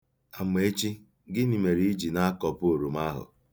Amechi, gịnị mere iji na-akọpu oroma ahụ?